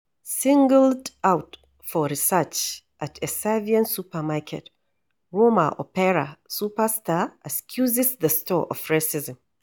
Singled out for search at a Serbian supermarket, Roma opera superstar accuses the store of racism